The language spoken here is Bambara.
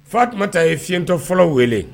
Fa tun ta ye fiɲɛtɔ fɔlɔ wele